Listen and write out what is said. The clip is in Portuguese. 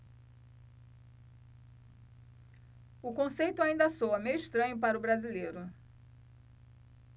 o conceito ainda soa meio estranho para o brasileiro